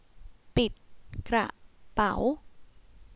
ปิดกระเป๋า